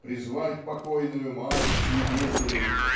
призвать покойную мать в свидетели